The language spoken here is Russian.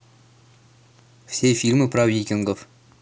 все фильмы про викингов